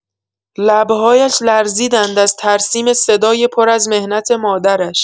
لب‌هایش لرزیدند از ترسیم صدای پر از محنت مادرش.